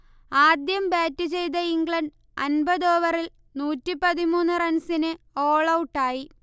ആദ്യം ബാറ്റ് ചെയ്ത ഇംഗ്ലണ്ട് അമ്പതോവറിൽ നൂറ്റി പതിമൂന്നു റൺസിന് ഓൾഔട്ടായി